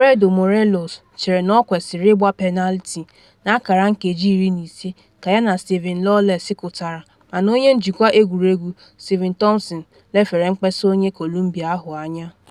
Alfredo Morelos chere na ọ kwesịrị ịgba penaliti n’akara nkeji iri na ise ka ya na Steven Lawless kụtara mana onye njikwa egwuregwu Steven Thomson lefere mkpesa onye Columbia ahụ anya.